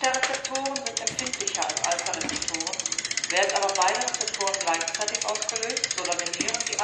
β-Rezeptoren sind empfindlicher als α-Rezeptoren, werden aber beide Rezeptoren gleichzeitig ausgelöst so dominieren die